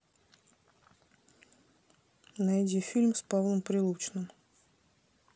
найди фильм с павлом прилучным